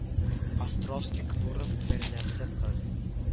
Островский кнуров бирнәсез кыз